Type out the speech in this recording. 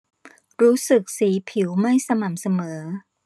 รู้สึกสีผิวไม่สม่ำเสมอ